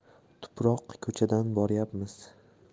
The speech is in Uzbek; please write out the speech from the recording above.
tuproq ko'chadan boryapmiz